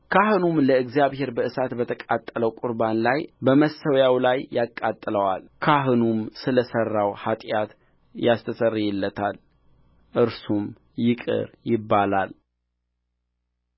ካህኑም ለእግዚአብሔር በእሳት በተቃጠለው ቍርባን ላይ በመሠዊያው ላይ ያቃጥለዋል ካህኑም ስለ ሠራው ኃጢአት ያስተሰርይለታል እርሱም ይቅር ይባላል